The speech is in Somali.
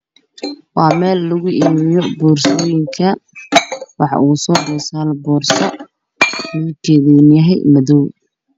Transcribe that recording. Was meel lagu iibiyo boorsooyin waxaa ugu soo horeeyo hal boorso midabkeedana yahay madow.